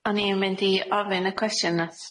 O'n i'n mynd i ofyn y cwestiwn nath